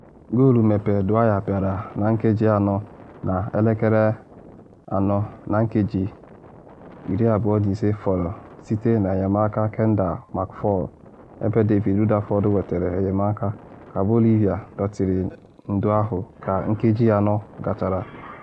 Goolu mmepe Dwyer bịara na nkeji anọ na 3:35 site n’enyemaka Kendall McFaull, ebe David Rutherford wetere enyemaka ka Beauvillier dọtịrị ndu ahụ ka nkeji anọ gachara.